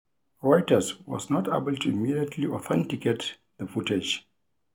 Reuters was not able to immediately authenticate the footage.